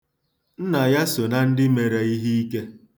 Nna ya so na ndị mere iheike.